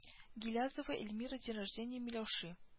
Гилязова эльмира день рождения миляуши